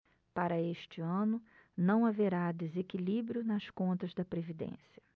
para este ano não haverá desequilíbrio nas contas da previdência